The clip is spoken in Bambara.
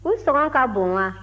u sɔngɔ ka bon wa